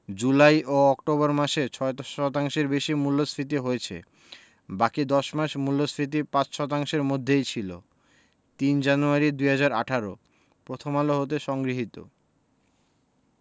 জুলাই ও অক্টোবর মাসে ৬ শতাংশের বেশি মূল্যস্ফীতি হয়েছে বাকি ১০ মাস মূল্যস্ফীতি ৫ শতাংশের মধ্যেই ছিল ০৩ জানুয়ারি ২০১৮ প্রথম আলো হতে সংগৃহীত